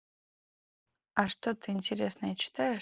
а что то интересное читаешь